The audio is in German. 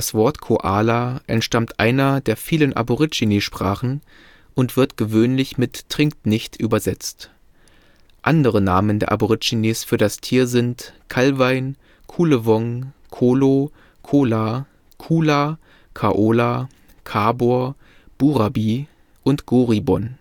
Wort „ Koala “entstammt einer der vielen Aborigine-Sprachen und wird gewöhnlich mit „ trinkt nicht “übersetzt. Andere Namen der Aborigines für das Tier sind: Kallwein, Kuhlewong, Kolo, Kola, Kuhla, Kaola, Karbor, Burabie und Goribun